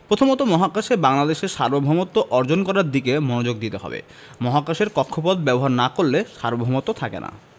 প্রথমত মহাকাশে বাংলাদেশের সার্বভৌমত্ব অর্জন করার দিকে মনোযোগ দিতে হবে মহাকাশের কক্ষপথ ব্যবহার না করলে সার্বভৌমত্ব থাকে না